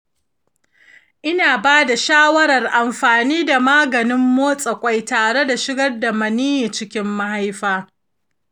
ina ba da shawarar amfani da maganin da ke motsa ƙwai tare da shigar da maniyyi cikin mahaifa.